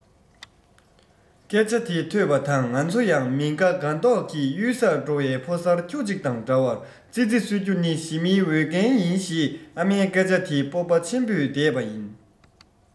སྐད ཆ དེ ཐོས པ དང ང ཚོ ཡང མི དགའ དགའ མདོག གིས གཡུལ སར འགྲོ བའི ཕོ གསར ཁྱུ གཅིག དང འདྲ བར ཙི ཙི གསོད རྒྱུ ནི ཞི མིའི འོས འགན ཡིན ཞེས ཨ མའི སྐད ཆ དེ སྤོབས པ ཆེན པོས བཟླས པ ཡིན